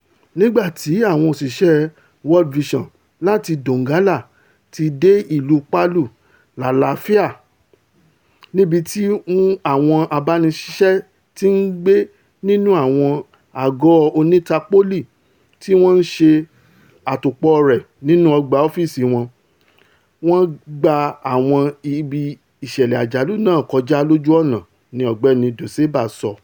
nígbàti àwọn òṣìṣẹ́ World Vision láti Donggala ti dé ìlú Palu lálàáfía, níbití àwọn abániṣiṣẹ́ tí ńgbé nínú àwọn àgọ́ oní-tapóólì tí wọn ṣe àtòpọ̀ rẹ̀ nínú ọgbà ọ́fíìsì wọn, wọ́n gba àwọn ibi ìṣẹ̀lẹ̀ àjálù náà kọjá lójú ọ̀nà, ni Ọ̀gbẹ́ni Doseba sọ.